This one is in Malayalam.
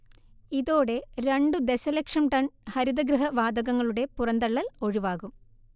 ഇതോടെ രണ്ടു ദശലക്ഷം ടൺ ഹരിതഗൃഹ വാതകങ്ങളുടെ പുറന്തള്ളൽ ഒഴിവാകും